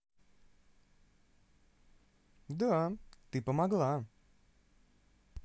да ты помогла